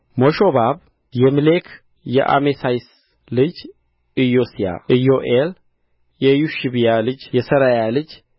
ምሾባብ የምሌክ የአሜስያስ ልጅ ኢዮስያ ኢዮኤል የዮሺብያ ልጅ የሠራያ ልጅ